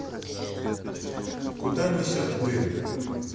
куда несет дым